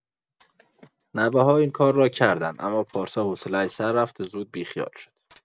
نوه‌ها این کار را کردند، اما پارسا حوصله‌اش سر رفت و زود بی‌خیال شد.